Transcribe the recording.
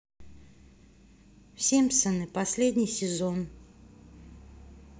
симпсоны последний сезон